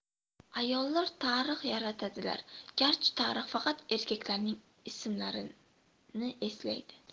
ayollar tarix yaratadilar garchi tarix faqat erkaklarning ismlarini eslaydi